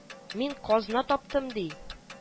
Мин казна таптым, — ди